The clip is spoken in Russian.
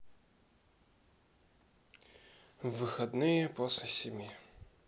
в выходные после семи